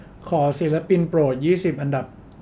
ขอศิลปินโปรดยี่สิบอันดับ